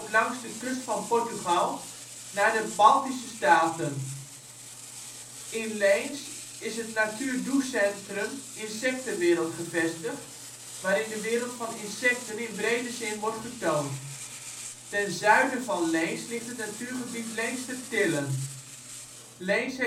langs de kust van Portugal naar de Baltische staten. In Leens is het NatuurDoeCentrum Insektenwereld gevestigd, waarin de wereld van insecten in brede zin wordt getoond. Ten zuiden van Leens ligt het natuurgebied Leenstertillen Leens